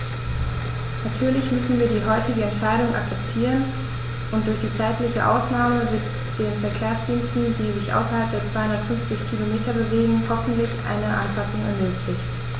Natürlich müssen wir die heutige Entscheidung akzeptieren, und durch die zeitliche Ausnahme wird den Verkehrsdiensten, die sich außerhalb der 250 Kilometer bewegen, hoffentlich eine Anpassung ermöglicht.